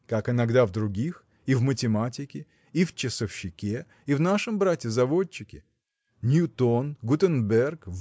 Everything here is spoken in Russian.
– Как иногда в других – и в математике и в часовщике и в нашем брате заводчике. Ньютон Гутенберг